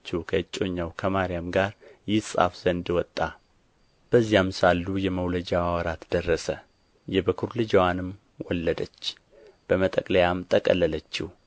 ከእጮኛው ከማርያም ጋር ይጻፍ ዘንድ ወጣ በዚያም ሳሉ የመውለጃዋ ወራት ደረሰ የበኵር ልጅዋንም ወለደች በመጠቅለያም ጠቀለለችው